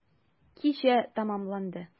Кичә тәмамланды.